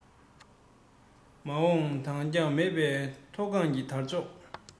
མ འོངས འདང རྒྱག མེད པའི མཐོ སྒང གི དར ལྕོག